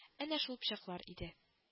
Әнә шул пычаклар иде